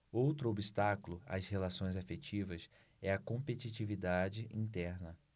outro obstáculo às relações afetivas é a competitividade interna